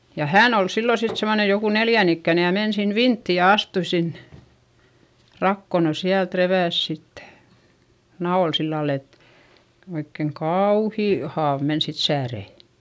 ja hän oli silloin sitten semmoinen joku neljän ikäinen ja meni sinne vinttiin ja astui sinne rakoon no sieltä repäisi sitten naula sillä lailla että oikein kauhea haava meni sitten sääreen